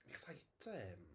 Exciting!